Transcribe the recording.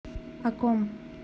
о ком